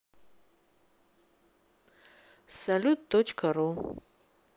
салют точка ру